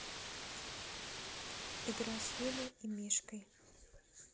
игра с юлей и мишкой